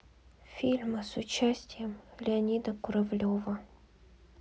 фильмы с участием леонида куравлева